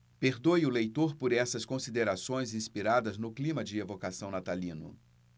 perdoe o leitor por essas considerações inspiradas no clima de evocação natalino